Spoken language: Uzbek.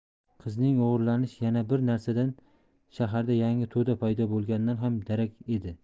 qizining o'g'irlanishi yana bir narsadan shaharda yangi to'da paydo bo'lganidan ham darak edi